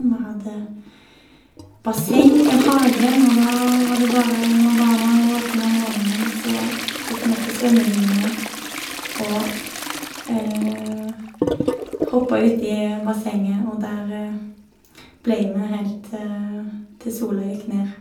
Vi hadde basseng i hagen, og da var det bare når barna våkna om morgenen, så tok vi på svømmevingene og hoppa uti bassenget, og der ble vi helt til til sola gikk ned.